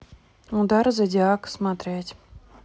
удар зодиака смотреть